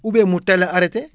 oubien mu teel a arrêté